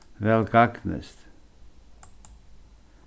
væl gagnist